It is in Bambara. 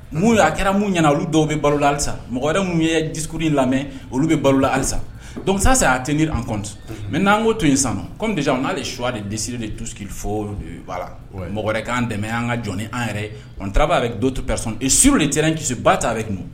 N y'a kɛra mun ɲɛna olu dɔw bɛ balo alisa mɔgɔ wɛrɛ minnu ye dikurun lamɛn olu bɛ balola halisa donsosa y'a te ni an kɔn mɛ n'an ko tun in san kodisa n'ale suwa de desesiri de dusu fo olu la mɔgɔ wɛrɛ'an dɛmɛ y an ka jɔn an yɛrɛ nkura b'a bɛ don to psɔn e s de tɛ kiba t' bɛ kun